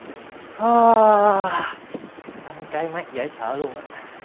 ha tắm cái mát dễ sợ luôn á